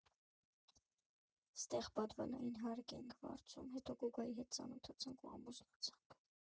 Ստեղ պադվալային հարկ էինք վարձում, հետո Գոգայի հետ ծանոթացանք ու ամուսնացանք։